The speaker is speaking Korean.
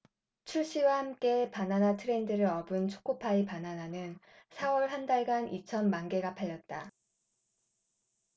출시와 함께 바나나 트렌드를 업은 초코파이 바나나는 사 월 한 달간 이천 만개가 팔렸다